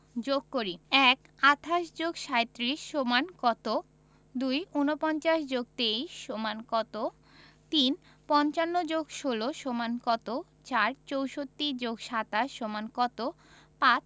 যোগ করিঃ ১ ২৮ + ৩৭ = কত ২ ৪৯ + ২৩ = কত ৩ ৫৫ + ১৬ = কত ৪ ৬৪ + ২৭ = কত ৫